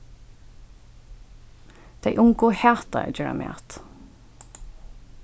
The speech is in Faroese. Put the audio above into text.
tey ungu hata at gera mat